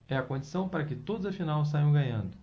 é a condição para que todos afinal saiam ganhando